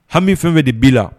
Hami fɛn di b' la